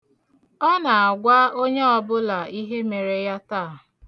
Ọ na-agwa onye ọbụla ihe mere ya taa.